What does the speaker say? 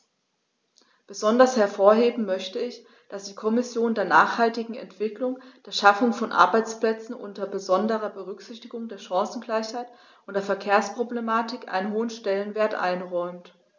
Besonders hervorheben möchte ich, dass die Kommission der nachhaltigen Entwicklung, der Schaffung von Arbeitsplätzen unter besonderer Berücksichtigung der Chancengleichheit und der Verkehrsproblematik einen hohen Stellenwert einräumt.